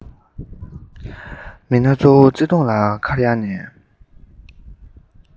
མི སྣ གཙོ བོ བརྩེ དུང ལ ཁ གཡར ནས